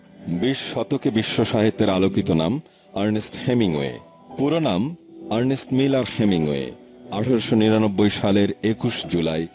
বিশ শতকে বিশ্বসাহিত্যের আলোকিত নাম আর্নেস্ট হেমিংওয়ে পুরো নাম আর্নেস্ট মিলার হেমিংওয়ে ১৮৯৯ সালের ২১ জুলাই